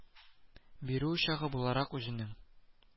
Бирү учагы буларак үзенең